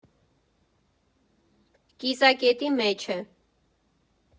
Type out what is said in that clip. Կիզակետի մեջ է։